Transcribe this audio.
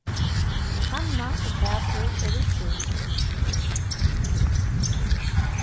hanna og pætur eru hjún